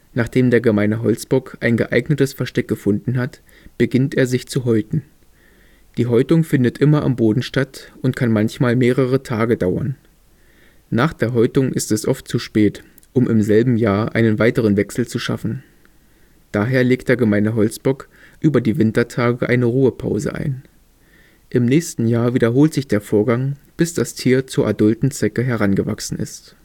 Nachdem der Gemeine Holzbock ein geeignetes Versteck gefunden hat, beginnt er sich zu häuten. Die Häutung findet immer am Boden statt und kann manchmal mehrere Tage dauern. Nach der Häutung ist es oft zu spät, um im selben Jahr einen weiteren Wechsel zu schaffen. Daher legt der Gemeine Holzbock über die Wintertage eine Ruhepause ein. Im nächsten Jahr wiederholt sich der Vorgang, bis das Tier zur adulten Zecke herangewachsen ist